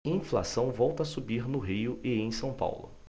inflação volta a subir no rio e em são paulo